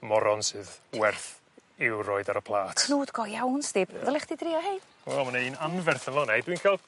moron sydd werth i'w roid ar y plat. Cnwd go iawn sti ddylech chdi drio hein? O ma' 'na un anferth yn fan 'na dwi'n ca'l...